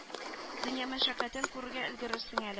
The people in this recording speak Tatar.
Дөнья мәшәкатен күрергә өлгерерсең әле